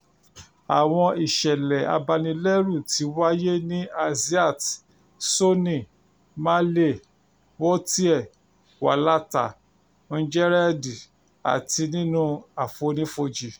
Àwọn ìṣẹ̀lẹ̀ abanilẹ́rù ti wáyé ní Azlatt, Sony Malé, Wothie, Walata, Jreida àti nínú àfonífojì.